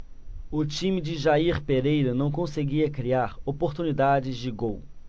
o time de jair pereira não conseguia criar oportunidades de gol